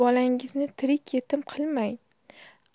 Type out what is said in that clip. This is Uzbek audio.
bolangizni tirik yetim qilmang